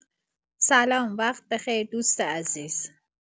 سلام وقت بخیر دوست عزیز